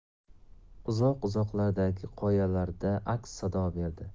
uzoq uzoqlardagi qoyalarda aks sado berdi